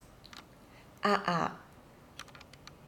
ཨ ཨ